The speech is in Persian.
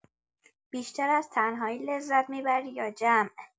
بیشتر از تنهایی لذت می‌بری یا جمع؟